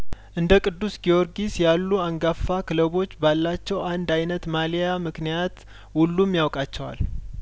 እንደ ቅዱስ ጊዮርጊስ ያሉ አንጋፋ ክለቦች ባላቸው አንድ አይነት ማሊያ ምክንያት ሁሉም ያውቃቸዋል